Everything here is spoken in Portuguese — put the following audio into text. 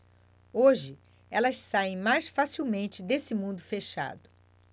hoje elas saem mais facilmente desse mundo fechado